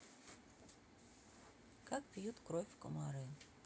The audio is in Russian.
как пьют кровь комары